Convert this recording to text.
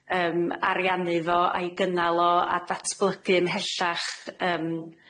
yym ariannu fo, a'i gynnal o, a datblygu ymhellach, yym.